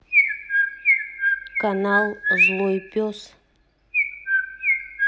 канал злой пес